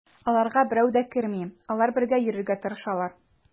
Аларга берәү дә керми, алар бергә йөрергә тырышалар.